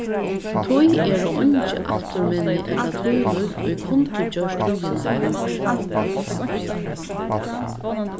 tí eru eingi afturminni ella tílíkt ið kundu gjørt tíðina longri